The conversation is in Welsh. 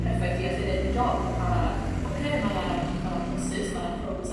perffaith i allu neud y job a... Ia. ...ocê ma' 'na pl- ma' 'na plysys ma' 'na pros